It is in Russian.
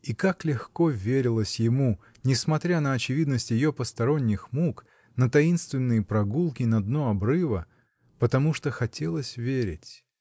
И как легко верилось ему, — несмотря на очевидность ее посторонних мук, на таинственные прогулки на дно обрыва, — потому что хотелось верить.